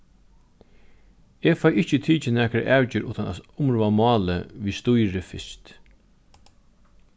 eg fái ikki tikið nakra avgerð uttan at umrøða málið við stýrið fyrst